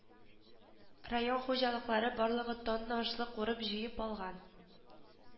Район хуҗалыклары барлыгы тонна ашлык урып-җыеп алган